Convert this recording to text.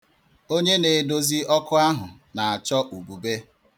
Onye na-edozi ọkụ ahụ na-achọ ubube.